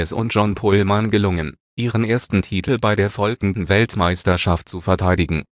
und John Pulman gelungen, ihren ersten Titel bei der folgenden Weltmeisterschaft zu verteidigen